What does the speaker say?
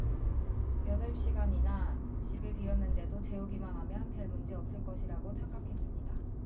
여덟 시간이나 집을 비웠는데도 재우기만하면 별문제 없을 것이라고 착각했습니다